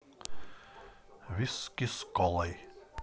виски с колой